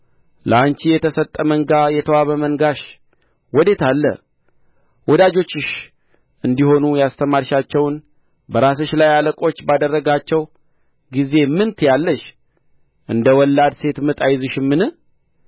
ለአንቺ የተሰጠ መንጋ የተዋበ መንጋሽ ወዴት አለ ወዳጆችሽ እንዲሆኑ ያስተማርሻቸውን በራስሽ ላይ አለቆች ባደረጋቸው ጊዜ ምን ትያለሽ እንደ ወላድ ሴት ምጥ አይዝሽምን